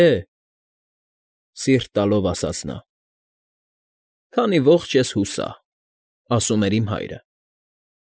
Դե,֊ սիրտ տալով ասաց նա։֊ «Քանի ողջ ես՝ հուսա», ասում էր իմ հայրը։